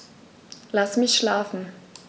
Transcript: Lass mich schlafen